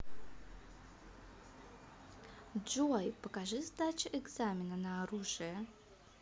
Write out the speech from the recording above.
джой покажи сдача экзамена на оружие